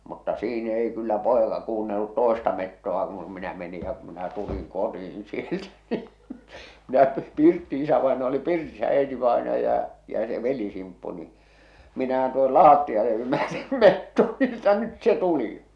mutta siinä ei kyllä poika kuunnellut toista metsoa kun minä menin ja kun minä tulin kotiin sieltä niin minä - isävainaja oli oli pirtissä äitivainaja ja se veli-Simppu niin minähän tuohon lattialle jymäytin metson niin että nyt se tuli